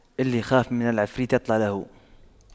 اللي يخاف من العفريت يطلع له